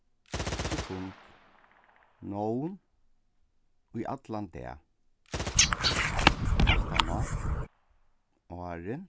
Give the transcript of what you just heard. sekund nón í allan dag aftaná áðrenn